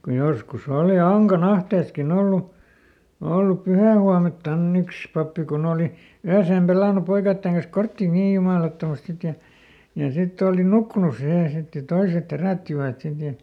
kun joskus oli Ankan ahteessakin ollut ollut pyhähuomeltaan yksi pappi kun oli yön pelannut poikien kanssa korttia niin jumalattomasti sitten ja ja sitten oli nukkunut siihen sitten ja toiset herättivät sitten ja